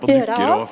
gjøre alt?